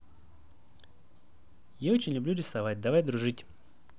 я очень люблю рисовать давай дружить